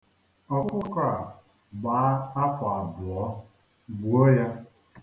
Ọkụkọ a gbaa afọ abụọ, gbuo ya.